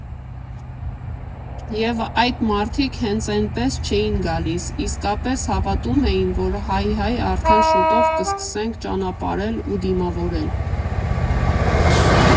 Եվ այդ մարդիկ հենց էնպես չէին գալիս, իսկապես հավատում էին, որ հայ֊հայ, արդեն շուտով կսկսենք ճանապարհել ու դիմավորել։